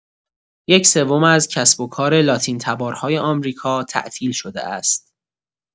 یک‌سوم از کسب و کار لاتین تبارهای آمریکا تعطیل شده است.